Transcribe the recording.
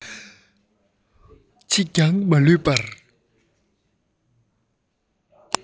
གཅིག ཀྱང མ ལུས པར